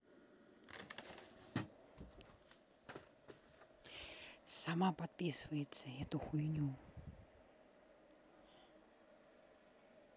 сама подписывается эту хуйню